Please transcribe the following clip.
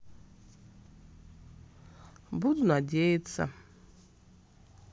буду надеяться